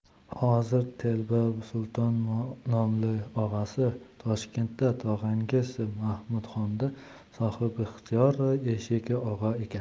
hozir tilba sulton nomlik og'asi toshkentda tog'oyingiz mahmudxonda sohibixtiyor eshik og'a ekan